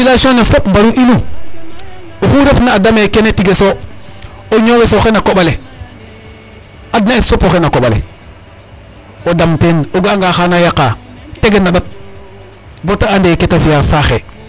Population ne fop mbaru inu oxu refna a dam ee kene tigeso o ñoowes oxay na koƥ ale, adna es fop oxay na koƥ ale. O dam teen o ga'anga oxa naa yaqaa tegeen na ƭat bo ta ande ken ta fi'aa faaxee